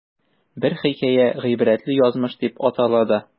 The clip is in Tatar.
Бер хикәя "Гыйбрәтле язмыш" дип атала да.